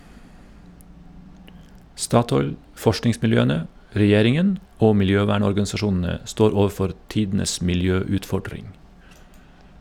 Statoil, forskningsmiljøene, regjeringen og miljøvernorganisasjonene står overfor tidenes miljøutfordring.